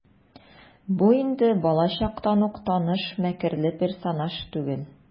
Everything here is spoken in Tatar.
Бу инде балачактан ук таныш мәкерле персонаж түгел.